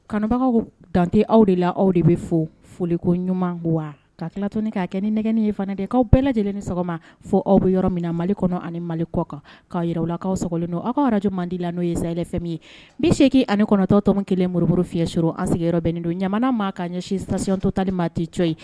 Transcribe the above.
Kanbagaw dante aw de la aw de bɛ fɔ foliko ɲuman wa ka tilat k'a kɛ ni nɛgɛen ye fana de' bɛɛ lajɛlen ni sɔgɔma fɔ aw bɛ yɔrɔ minna mali kɔnɔ ani mali kɔ kan'a jiraw lakaw sago don aw arajodi la n'o ye sayalɛfɛn ye n seeki ani kɔnɔtɔtɔ kelen muruoro fiyɛur an sigiyɔrɔ bɛnen don ɲamana maa kaa ɲɛsin sasiontɔ tali maa tɛ co ye